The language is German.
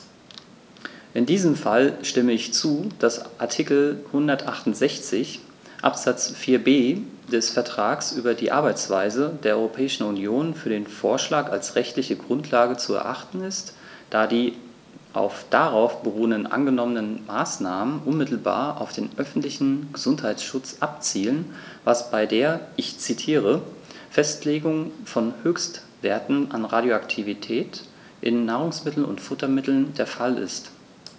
In diesem Fall stimme ich zu, dass Artikel 168 Absatz 4b des Vertrags über die Arbeitsweise der Europäischen Union für den Vorschlag als rechtliche Grundlage zu erachten ist, da die auf darauf beruhenden angenommenen Maßnahmen unmittelbar auf den öffentlichen Gesundheitsschutz abzielen, was bei der - ich zitiere - "Festlegung von Höchstwerten an Radioaktivität in Nahrungsmitteln und Futtermitteln" der Fall ist.